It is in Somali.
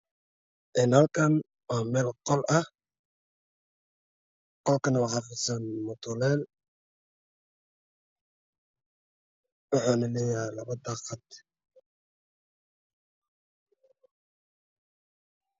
Halkaan waa meel qol ah waxaa fidsan mutuleel waxuu leeyahay labo daaqad.